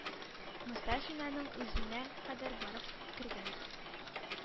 Мостафинаның үзенә кадәр барып кергән.